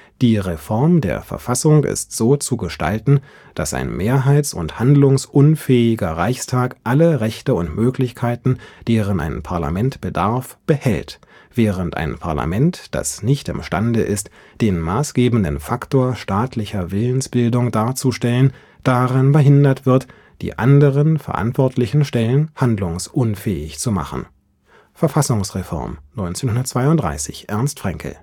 Die Reform der Verfassung ist so zu gestalten, dass ein mehrheits - und handlungsunfähiger Reichstag alle Rechte und Möglichkeiten, deren ein Parlament bedarf, behält, während ein Parlament, das nicht im Stande ist, den maßgebenden Faktor staatlicher Willensbildung darzustellen, daran behindert wird, die anderen verantwortlichen Stellen handlungsunfähig zu machen. “(Verfassungsreform, 1932). Dabei war sich Fraenkel